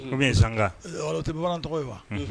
Kɔmi bɛ san tɛ bamanan tɔgɔ ye wa